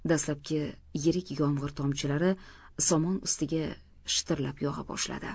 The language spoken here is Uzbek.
dastlabki yirik yomg'ir tomchilari somon ustiga shitirlab yog'a boshladi